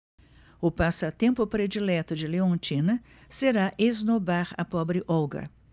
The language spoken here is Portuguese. o passatempo predileto de leontina será esnobar a pobre olga